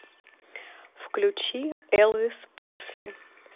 включи элвис пресли